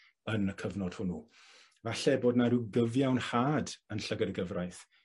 yn y cyfnod hwnnw. Falle bod 'na ryw gyfiawnhad yn llygad y gyfraith